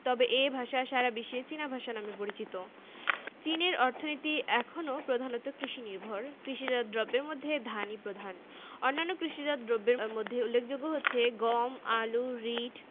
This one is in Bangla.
প্রশাসনিক দিক থেকে চিনকে ২২ টি প্রদেশ ও ৫ টি স্বায়ত্তশাসিত অঞ্চলে ভাগ করা হয়েছে দেশটির শিক্ষার হার শতকরা ৮৬ ভাগ বাংলাদেশের সঙ্গে চীনের বন্ধুত্বপূর্ণ সম্পর্ক আছে